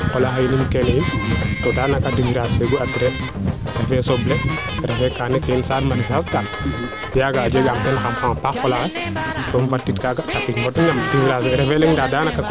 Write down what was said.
xa qola xe yiin kene yiin to daanaka jeg a tiran fe soble fee kaane ke yiin sa maraichage kaa yaga jegaam teen xam xam a paax fo laŋ ke bo fad tid kaaga culaas fe refe leŋ ndaa danaka